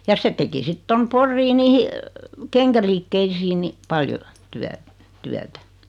ja se teki sitten tuonne Poriin niihin kenkäliikkeisiin niin paljon - työtä